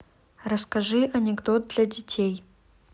расскажи анекдот для детей